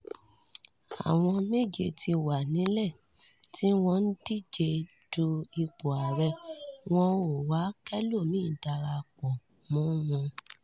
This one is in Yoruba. ”Àwọn méje ti wà nílẹ̀, tí wọ́n dìje du ipò ààrẹ. Wọn ‘ò wa kẹ́lòmíì darapọ̀ mọ́ wọn.